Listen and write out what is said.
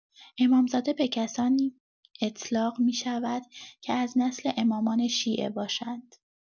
امامزاده به کسانی اطلاق می‌شود که از نسل امامان شیعه باشند.